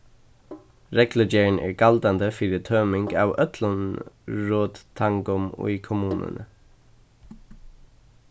reglugerðin er galdandi fyri tøming av øllum rottangum í kommununi